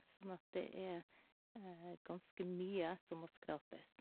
Sånn at det er ganske mye som må skrapes.